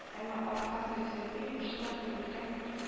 Әмма аркан өзелми, өчтән үрелгән